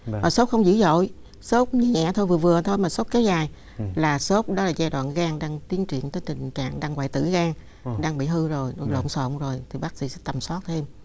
ờ sốt không dữ dội sốt nhẹ thôi vừa vừa thôi mà sốt kéo dài là sốt đó là giai đoạn gan đang tiến triển tới tình trạng đang hoại tử gan đang bị hư rồi lộn xộn rồi thì bác sĩ tầm soát thêm